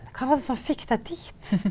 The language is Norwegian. hva var det som fikk deg dit?